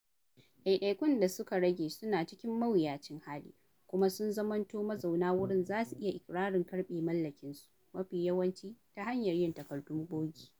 ɗaiɗaikun da suka rage suna cikin mayuwacin hali kuma sun zamanto mazauna wurin za su iya iƙirarin karɓe mallakinsu (mafi yawanci ta hanyar yin takardun bogi).